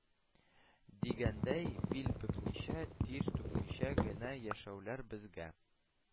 Дигәндәй, бил бөкмичә, тир түкмичә генә яшәүләр безгә